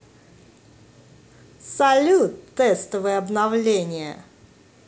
салют тестовое обновление